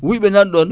wuyɓe nanɗon